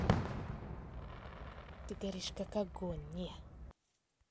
ты горишь как огонь не